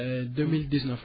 deux mille dix neuf laa